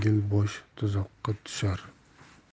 yengil bosh tuzoqqa tushar